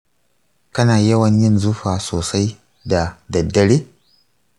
kana yawan yin zufa sosai da daddare?